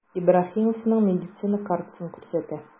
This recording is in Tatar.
Ибраһимовның медицина картасын күрсәтә.